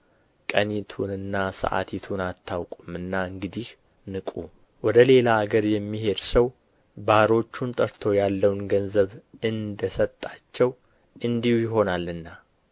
ቀኒቱንና ሰዓቲቱን አታውቁምና እንግዲህ ንቁ ወደ ሌላ አገር የሚሄድ ሰው ባሮቹን ጠርቶ ያለውን ገንዘብ እንደ ሰጣቸው እንዲሁ ይሆናልና